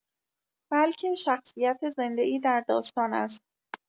بلکه شخصیت زنده‌ای در داستان است.